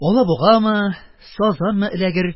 Алабугамы, сазанмы эләгер,